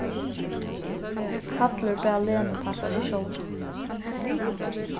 hallur bað lenu passa seg sjálva